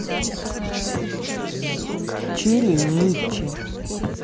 чили nicci